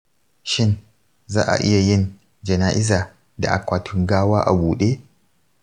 shin za a iya yin jana’iza da akwatin gawa a buɗe?